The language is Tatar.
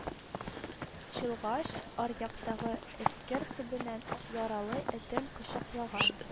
Белән бергә, иске зират янына салырга кем каршы